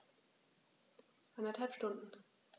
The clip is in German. Eineinhalb Stunden